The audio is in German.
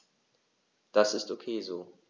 Das ist ok so.